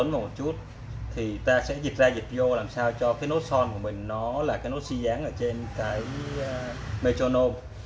môi dưới hơi cuốn vào một chút chúng ta sẽ dịch bec ra vô một chút sao cho thổi nốt g nó sẽ ra cái mốt bb trên tuner